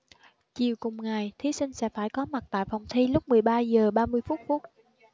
chiều cùng ngày thí sinh sẽ phải có mặt tại phòng thi lúc mười ba giờ ba mươi phút phút